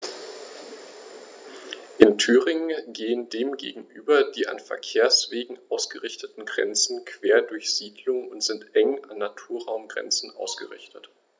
In Thüringen gehen dem gegenüber die an Verkehrswegen ausgerichteten Grenzen quer durch Siedlungen und sind eng an Naturraumgrenzen ausgerichtet.